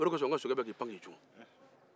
o de kosɛn n ka sokɛ bɛk'i pan k'i cun